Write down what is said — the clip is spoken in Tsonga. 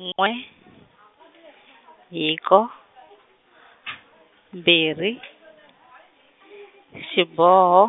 n'we, hiko, mbirhi , xiboho,